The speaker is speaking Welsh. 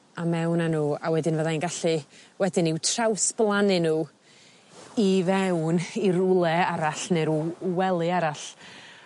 a mewn â nw a wedyn fyddai'n gallu wedyn i'w trawsblannu n'w i fewn i rwle arall ne' rw wely arall.